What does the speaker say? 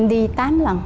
em đi tám lần